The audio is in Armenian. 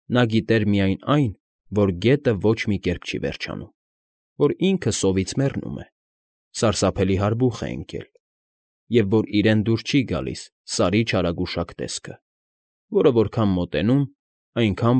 Նա գիտեր միայն, որ գետը ոչ մի կերպ չի վերջանում, որ ինքը սովից մեռնում է, սարսափելի հարբուխ է ընկել, և որ իրեն դուր չի գալիս Սարի չարագուշակ տեսքը, որը որքան մոտենում, այնքան։